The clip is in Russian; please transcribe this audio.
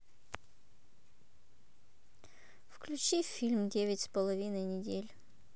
включи фильм девять с половиной недель